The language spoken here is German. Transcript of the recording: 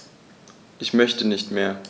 Ich möchte nicht mehr.